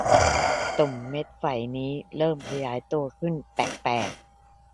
ตุ่มเม็ดไฝนี้เริ่มขยายตัวขึ้นแปลกแปลก